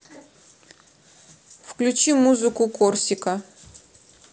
включи музыку корсика